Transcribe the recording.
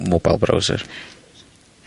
mobile browser.